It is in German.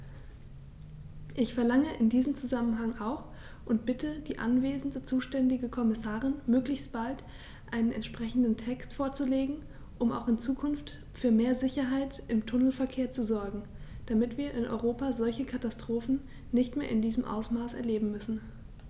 Ich verlange in diesem Zusammenhang auch und bitte die anwesende zuständige Kommissarin, möglichst bald einen entsprechenden Text vorzulegen, um auch in Zukunft für mehr Sicherheit im Tunnelverkehr zu sorgen, damit wir in Europa solche Katastrophen nicht mehr in diesem Ausmaß erleben müssen!